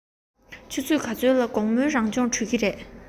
ཆུ ཚོད ག ཚོད ལ དགོང མོའི རང སྦྱོང གྲོལ གྱི རེད